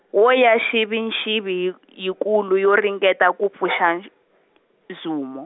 yo va nxivinxivi yi- yikulu yo ringeta ku pfuxa x-, Zumo.